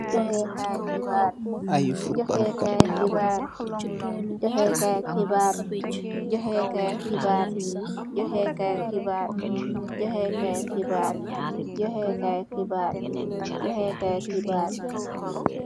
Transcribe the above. Johey kaye kibaar, johey kaye kibaar, johey kaye kibaar, johey kaye kibaar, johey kaye kibaar, johey kaye kibaar, johey kaye kibaar, johey kaye kibaar.